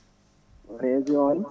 no émission waɗi